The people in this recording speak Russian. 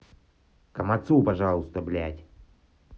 комацу пожалуйста блядь